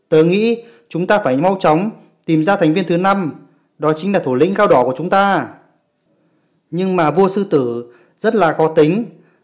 tớ nghĩ chúng ta phải mau chóng tìm ra thành viên thứ đó chính là thủ lĩnh gao đỏ của chúng ta nhưng mà vua sư tử rất là khó tính